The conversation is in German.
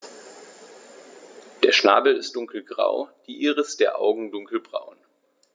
Der Schnabel ist dunkelgrau, die Iris der Augen dunkelbraun.